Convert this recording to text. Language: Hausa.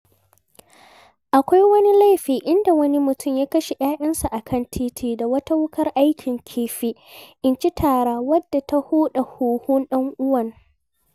Akwai wani laifin inda wani mutum ya kashe yayansa a kan titi da wata wuƙar aikin kifi inci tara wadda ta huda huhun ɗan'uwan.